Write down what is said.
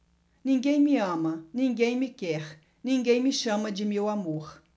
ninguém me ama ninguém me quer ninguém me chama de meu amor